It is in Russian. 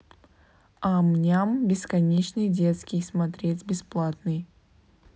ам ням бесконечный детский смотреть бесплатный